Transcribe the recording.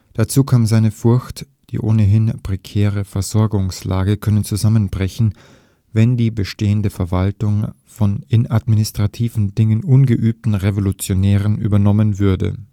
Dazu kam seine Furcht, die ohnehin prekäre Versorgungslage könne zusammenbrechen, wenn die bestehende Verwaltung von in administrativen Dingen ungeübten Revolutionären übernommen würde